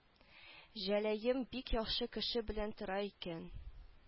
Җәләем бик яхшы кеше белән тора икән